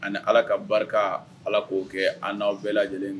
Ani Ala ka barika, Ala k'o kɛ an n'aw bɛɛ lajɛlen